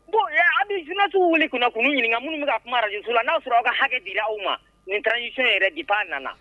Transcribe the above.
Bon a bɛ jinati wuli kunna kulu ɲininka minnu min ka kumarajsu la n'a sɔrɔ aw ka hakɛ di aw ma ninjsi yɛrɛ dep nana